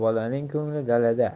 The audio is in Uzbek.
bolaning ko'ngli dalada